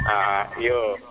axa iyoo